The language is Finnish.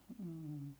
mm